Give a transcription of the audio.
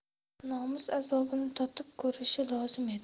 nomus azobini totib ko'rishi lozim edi